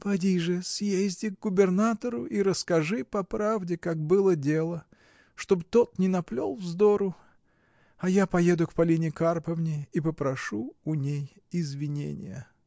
— Поди же, съезди к губернатору и расскажи по правде, как было дело, чтоб тот не наплел вздору, а я поеду к Полине Карповне и попрошу у ней извинения.